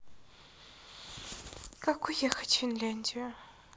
как уехать в финляндию